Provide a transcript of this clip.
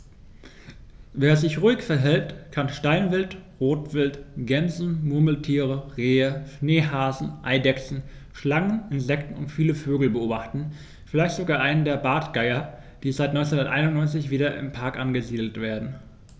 Wer sich ruhig verhält, kann Steinwild, Rotwild, Gämsen, Murmeltiere, Rehe, Schneehasen, Eidechsen, Schlangen, Insekten und viele Vögel beobachten, vielleicht sogar einen der Bartgeier, die seit 1991 wieder im Park angesiedelt werden.